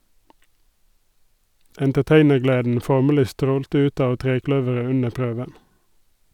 Entertainergleden formelig strålte ut av trekløveret under prøven.